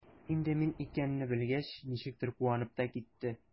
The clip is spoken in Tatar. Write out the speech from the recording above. Инде мин икәнне белгәч, ничектер куанып та китте.